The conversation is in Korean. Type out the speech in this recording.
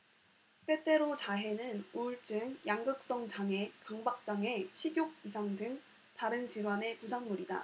때때로 자해는 우울증 양극성 장애 강박 장애 식욕 이상 등 다른 질환의 부산물이다